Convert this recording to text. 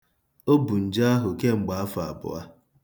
O bu nje ahụ kemgbe afọ abụọ.